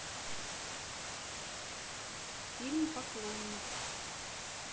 фильм поклонник